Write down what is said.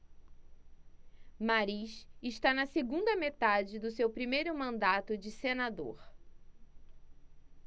mariz está na segunda metade do seu primeiro mandato de senador